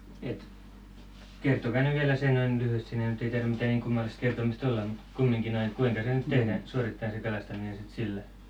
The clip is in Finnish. että kertokaa nyt vielä se noin noin että kuinka se sitten suoritetaan se kalastaminen sitten sillä